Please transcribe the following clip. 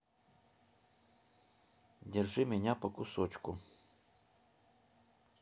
держи меня по кусочку